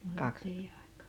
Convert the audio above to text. ne oli teidän aikaan